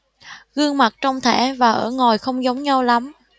gương mặt trong thẻ và ở ngoài không giống nhau lắm